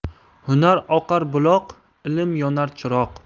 hunar oqar buloq ilm yonar chiroq